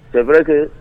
Taba kɛ